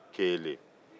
kelen